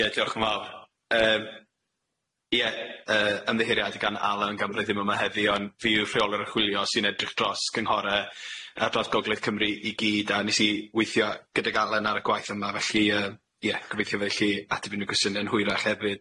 Ie diolch yn fawr, yym ie yy ymddiheuriadu gan Alan gan bod eth ddim yma heddi ond fi yw rheolwr archwilio sy'n edrych dros gynghore ar dros Gogleth Cymru i gyd a nes i weithio gydag Alan ar y gwaith yma felly yy ie gobeithio felly ateb unryw gwestiyne yn hwyrach hefyd.